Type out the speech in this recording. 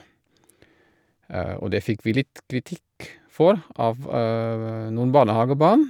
Og det fikk vi litt kritikk for av noen barnehagebarn.